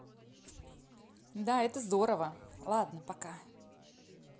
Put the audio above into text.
да это здорово ладно пока